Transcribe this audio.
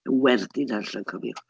Werth ei darllen cofiwch.